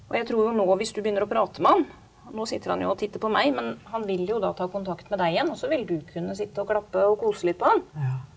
og jeg tror jo nå hvis du begynner å prate med han, nå sitter han jo og titter på meg, men han vil jo da ta kontakt med deg igjen, og så vil du kunne sitte og klappe og kose litt på han.